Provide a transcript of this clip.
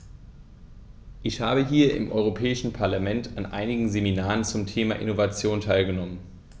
Ich habe hier im Europäischen Parlament an einigen Seminaren zum Thema "Innovation" teilgenommen.